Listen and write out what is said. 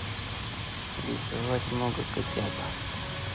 рисовать много котят